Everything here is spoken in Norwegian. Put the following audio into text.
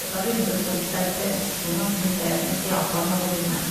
Og da begynte vi å solgt selge til Østen, ganske mye til mest Japan, da, til å begynne med.